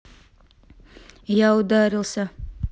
я ударился